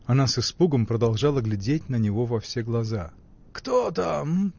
Она с испугом продолжала глядеть на него во все глаза. — Кто там?